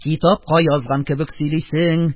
Китапка язган кебек сөйлисең: